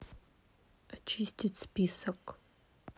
очистить список